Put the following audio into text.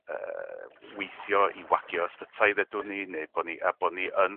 yy weithio i wagio ysbytai ddedwn ni neu bod ni yy bod ni yn